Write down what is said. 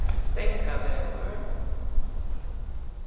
stangavegur